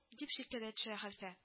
Дип шикләнә төшә хәлфә